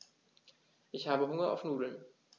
Ich habe Hunger auf Nudeln.